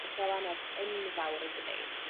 yn ddalanwad enfawr yndydi?